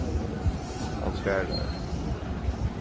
hann svarar